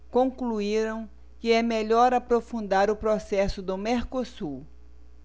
concluíram que é melhor aprofundar o processo do mercosul